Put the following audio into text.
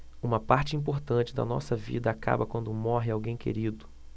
uma parte importante da nossa vida acaba quando morre alguém querido